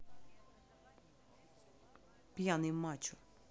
пьяный мачо